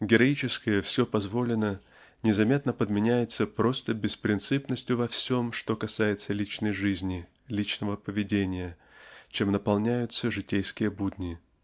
Героическое "все позволено" незаметно подменяется просто беспринципностью во всем что касается личной жизни личного поведения чем наполняются житейские будни.